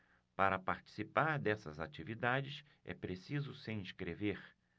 para participar dessas atividades é preciso se inscrever